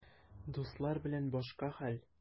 Дуслар белән башка хәл.